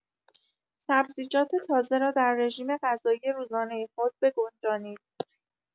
سبزیجات تازه را در رژیم‌غذایی روزانه خود بگنجانید.